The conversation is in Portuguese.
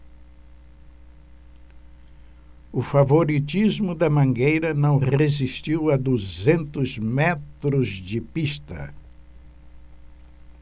o favoritismo da mangueira não resistiu a duzentos metros de pista